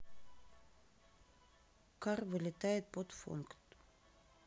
карл вылетает под фонк